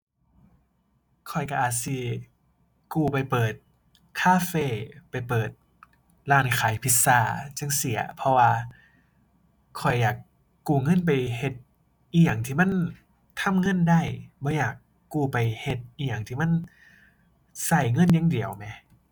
ข้อยก็อาจสิกู้ไปเปิดคาเฟ ไปเปิดร้านขายพิซซาจั่งซี้ เพราะว่าข้อยอยากกู้เงินไปเฮ็ดอิหยังที่มันทำเงินได้บ่อยากกู้ไปเฮ็ดอิหยังที่มันก็เงินอย่างเดียวแหม